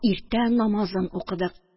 Иртә намазын укыдык.